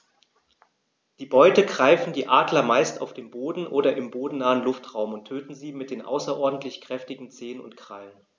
Die Beute greifen die Adler meist auf dem Boden oder im bodennahen Luftraum und töten sie mit den außerordentlich kräftigen Zehen und Krallen.